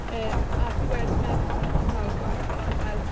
Yym, a fi wedi meddwl amdano fe sawl gwaith o ran, fel...